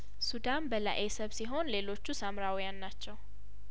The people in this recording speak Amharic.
ሱዳን በላኤሰብ ሲሆን ሌሎቹ ሳምራውያን ናቸው